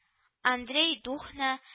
Андрей Духно